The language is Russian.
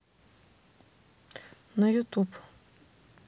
на ютуб